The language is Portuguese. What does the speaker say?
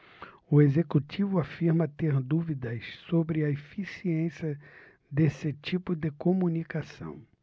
o executivo afirma ter dúvidas sobre a eficiência desse tipo de comunicação